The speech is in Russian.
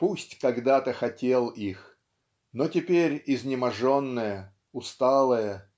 пусть когда-то хотел их -- но теперь изнеможденное усталое